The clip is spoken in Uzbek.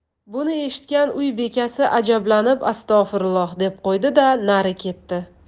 buni eshitgan uy bekasi ajablanib astag'firulloh deb qo'ydi da nari ketdi